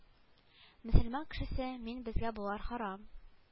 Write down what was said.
Мөселман кешесе мин безгә болар харам